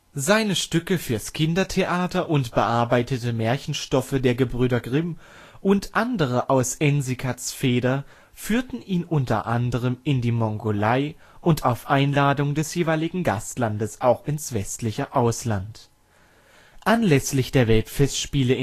Seine Stücke fürs Kindertheater und bearbeitete Märchenstoffe der Gebrüder Grimm und anderer aus Ensikats Feder führten ihn unter anderem in die Mongolei und auf Einladung des jeweiligen Gastlandes auch ins westliche Ausland. Anlässlich der Weltfestspiele